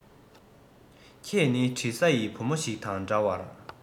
ཁྱེད ནི དྲི ཟ ཡི བུ མོ ཞིག དང འདྲ བར